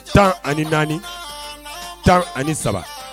14, 13